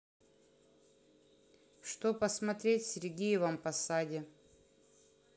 что посмотреть в сергиевом посаде